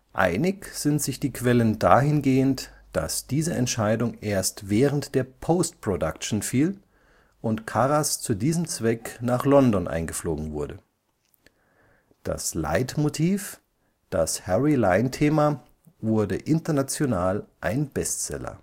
Einig sind sich die Quellen dahingehend, dass diese Entscheidung erst während der Postproduktion fiel und Karas zu diesem Zweck nach London eingeflogen wurde. Das Leitmotiv, das „ Harry-Lime-Thema “, wurde international ein Bestseller